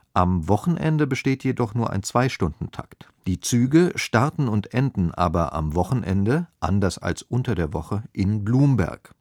Am Wochenende besteht jedoch nur ein Zwei-Stunden-Takt. Die Züge starten und enden aber am Wochenende anders als unter der Woche in Blumberg